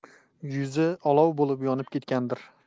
yuzi olov bo'lib yonib ketgandir